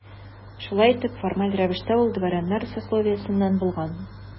Шулай итеп, формаль рәвештә ул дворяннар сословиесеннән булган.